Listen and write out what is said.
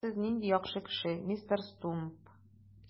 О, сез нинди яхшы кеше, мистер Стумп!